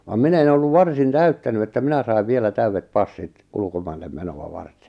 vaan minä en ollut varsin täyttänyt että minä sain vielä täydet passit ulkomaille menoa varten